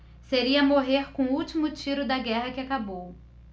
seria morrer com o último tiro da guerra que acabou